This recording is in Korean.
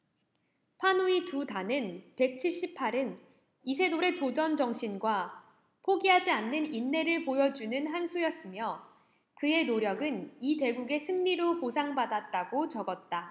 판후이 두 단은 백 칠십 팔 은 이세돌의 도전정신과 포기하지 않는 인내를 보여주는 한 수였으며 그의 노력은 이 대국의 승리로 보상받았다고 적었다